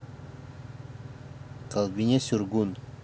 калбине сюргюн